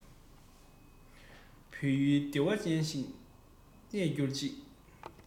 བོད ཡུལ བདེ བ ཅན བཞིན གནས འགྱུར ཅིག